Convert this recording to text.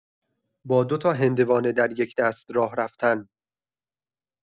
با دوتا هندوانه در یک دست راه‌رفتن